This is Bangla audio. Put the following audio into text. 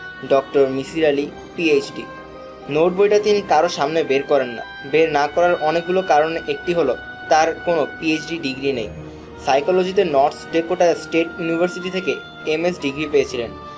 ড. মিসির আলি পিএইচডি নােটবইটা তিনি কারও সামনে বের করেন না বের না করার অনেকগুলাে কারণের একটি হলাে, তার কোনাে পিএইচডি ডিগ্রি নেই সাইকোলজিতে নর্থ ডেকোটা স্টেট ইউনিভার্সিটি থেকে এমএস ডিগ্রি পেয়েছিলেন